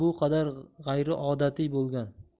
bu qadar g'ayriodatiy bo'lgan